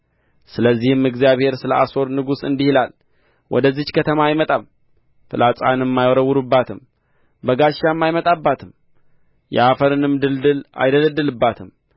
ስለዚህም እግዚአብሔር ስለ አሦር ንጉሥ እንዲህ ይላል ወደዚች ከተማ አይመጣም ፍላጻንም አይወረውርባትም በጋሻም አይመጣባትም የአፈርንም ድልድል አይደለድልባትም